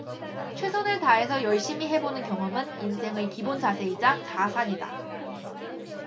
최선을 다해서 열심히 해보는 경험은 인생의 기본 자세이자 자산이다